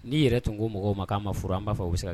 N'i yɛrɛ tun ko mɔgɔw k'an ma furu an b'a fɔ u bɛ segin